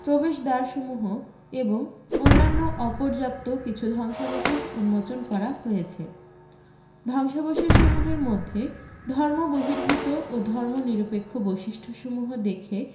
প্রবেশদ্বারসমূহ এবং অন্যান্য অপর্যাপ্ত কিছু ধ্বংসাবশেষ উন্মোচন করা হয়েছে ধ্বংসাবশেষসমূহের মধ্যে ধর্মবহির্ভূত ও ধর্মনিরপেক্ষ বৈশিষ্ট্যসমূহ দেখে